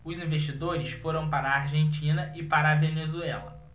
os investidores foram para a argentina e para a venezuela